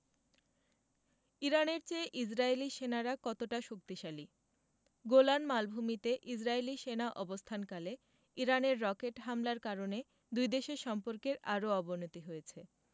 ইরানের চেয়ে ইসরায়েলি সেনারা কতটা শক্তিশালী গোলান মালভূমিতে ইসরায়েলি সেনা অবস্থানকালে ইরানের রকেট হামলার কারণে দুই দেশের সম্পর্কের আরও অবনতি হয়েছে